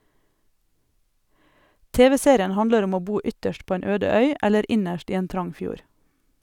TV-serien handler om å bo ytterst på en øde øy eller innerst i en trang fjord.